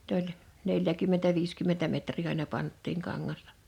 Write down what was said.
ne oli neljäkymmentä viisikymmentä metriä aina pantiin kangasta